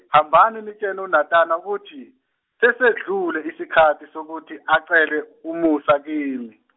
hambani nitshele uNatana ukuthi sesedlule isikhathi sokuthi acele umusa kimi.